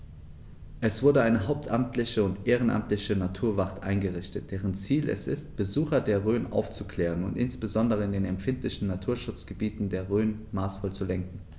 Es wurde eine hauptamtliche und ehrenamtliche Naturwacht eingerichtet, deren Ziel es ist, Besucher der Rhön aufzuklären und insbesondere in den empfindlichen Naturschutzgebieten der Rhön maßvoll zu lenken.